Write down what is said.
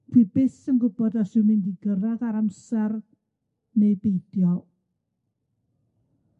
Dwi byth yn gwbod os dwi'n mynd i gyrradd ar amsar neu beidio.